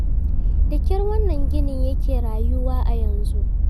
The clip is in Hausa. Da ƙyar wannan ginin yake rayuwa a yanzu.